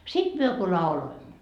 sitten me kun lauloimme